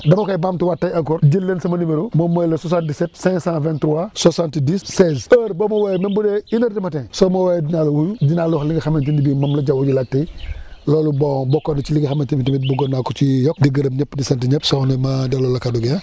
dama koy bamtuwaat tey encore jël leen sama numéro moom mooy le 77 523 70 15 heure boo ma wooyee même bu dee une heure du matin soo ma wooyee dinaa la wuyu dinaa la wax li nga xamante ne bii moom la jaww gi laaj tey loolu bon bokkoon na ci li nga xamante ni tamit bëggoon naa ko ci yokk di gërëm ñëpp di sant ñëpp soxna ma delloo la kàddu gi ah